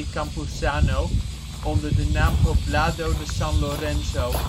Campuzano onder de naam Poblado de San Lorenzo